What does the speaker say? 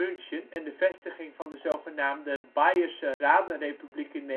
München en de vestiging van de zogenaamde Beierse Radenrepubliek in